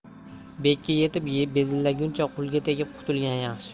bekka yetib bezillaguncha qulga tegib qutulgan yaxshi